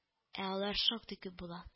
Ә алар шактый күп була